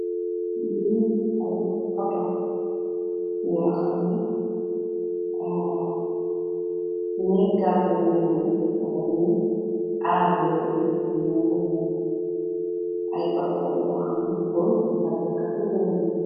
Lii ay otto yoo xam ne, ñiy garde rëw mi ne da ñooy arr rew mi, ñoo ko moom. Ay otto la yoo xam ne, pur garde kaatu rew mi.